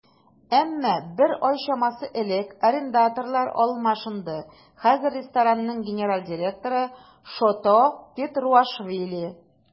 Әмма бер ай чамасы элек арендаторлар алмашынды, хәзер ресторанның генераль директоры Шота Тетруашвили.